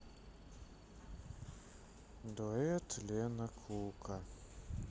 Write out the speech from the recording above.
дуэт лена кука